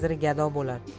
vaziri gado bo'lar